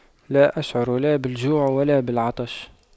لا أشعر لا بالجوع ولا بالعطش